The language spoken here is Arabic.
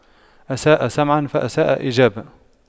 أساء سمعاً فأساء إجابة